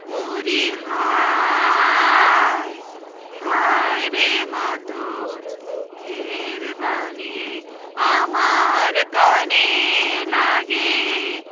মরি হায় হায় রে মা তোর মুখের বাণী আমার কানে লাগে